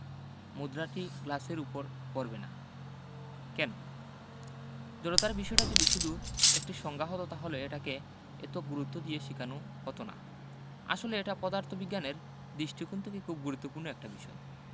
মুদ্রাটি গ্লাসের উপর পড়বেনা কেন জড়তার বিষয়টা যদি শুধু একটা সংজ্ঞা হতো তাহলে এটাকে এত গুরুত্ব দিয়ে শিখানো হতো না আসলে এটা পদার্থবিজ্ঞানের দিষ্টিকুণ থেকে খুব গুরুত্বপূর্ণ একটা বিষয়